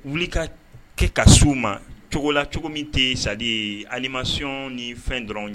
Wili ka kɛ k'a se o ma. Cogo la, cogo min tɛ c'est à dire animation ni fɛn dɔrɔn